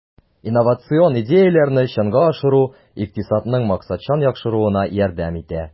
Инновацион идеяләрне чынга ашыру икътисадның максатчан яхшыруына ярдәм итә.